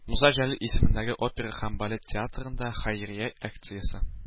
Муса Җәлил исемендәге опера һәм балет театрында – хәйрия акциясе